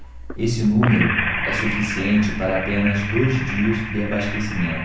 esse número é suficiente para apenas dois dias de abastecimento